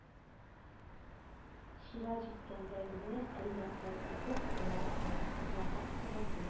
Чират җиткәндә генә әллә кая китеп олакты, озаграк торылды